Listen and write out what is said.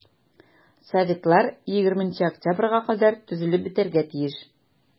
Советлар 20 октябрьгә кадәр төзелеп бетәргә тиеш.